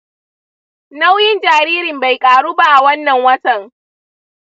nauyin jaririn bai ƙaru ba a wannan watan.